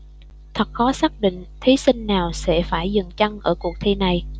thật khó xác định thí sinh nào sẽ phải dừng chân ở cuộc thi này